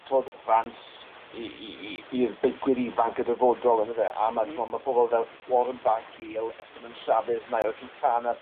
Tour de France i i i i'r beicwyr ifanc y dyfodol on'd yfe? A ma'... M-hm. ...t'wod ma' pobol fel Warren Barguil Esteban Chavesz Nairo Quintana